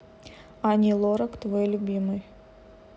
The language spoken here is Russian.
ани лорак твой любимый